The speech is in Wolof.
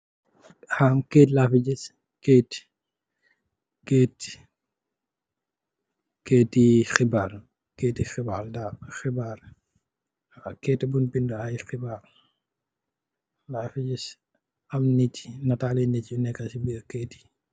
Am keit lafi gis keit, keit, keitiie khibarr keiti khibarr daal, khibarr, wa keiti bungh binda aiiy khibarr lafi gis, am nit naatali nitt yu neka cii birr keiti yii.